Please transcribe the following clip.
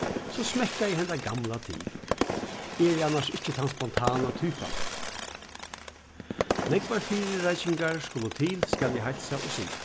so smekkaði henda gamla til eg eri annars ikki tann spontana typan nógvar fyrireikingar skulu til skal eg heilsa og siga